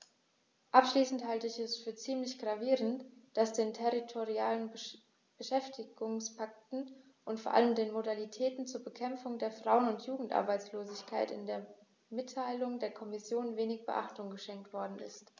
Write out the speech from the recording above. Abschließend halte ich es für ziemlich gravierend, dass den territorialen Beschäftigungspakten und vor allem den Modalitäten zur Bekämpfung der Frauen- und Jugendarbeitslosigkeit in der Mitteilung der Kommission wenig Beachtung geschenkt worden ist.